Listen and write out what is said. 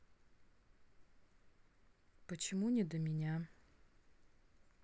почему не до меня